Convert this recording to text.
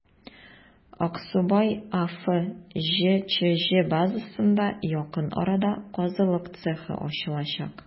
«аксубай» аф» җчҗ базасында якын арада казылык цехы ачылачак.